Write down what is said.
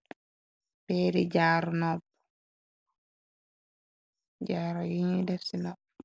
Peeri jaaru nop jaara yuñuy def ci nopp.